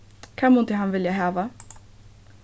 hvat mundi hann vilja hava